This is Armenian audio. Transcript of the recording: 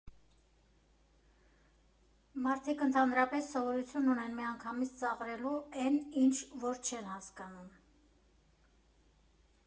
Մարդիկ ընդհանրապես սովորություն ունեն միանգամից ծաղրելու էն, ինչ որ չեն հասկանում։